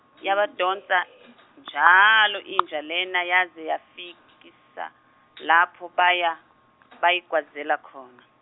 yabadonsa njalo inja lena yaze yabafikisa lapho baye bayigwazela khona.